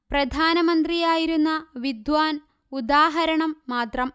പ്രധാനമന്ത്രിയായിരുന്ന വിദ്വാൻ ഉദാഹരണം മാത്രം